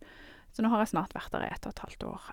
Så nå har jeg snart vært der i ett og et halvt år.